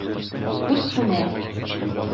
Ут сүнә.